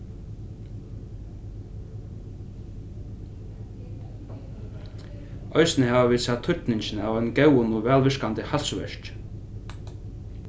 eisini hava vit sæð týdningin av einum góðum og væl virkandi heilsuverki